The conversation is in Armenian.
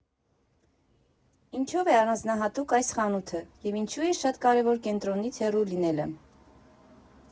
Ինչով է առանձնահատուկ այս խանութը և ինչու է շատ կարևոր կենտրոնից հեռու լինելը։